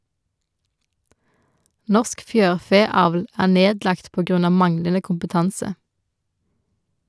Norsk Fjørfeavl er nedlagt på grunn av manglende kompetanse.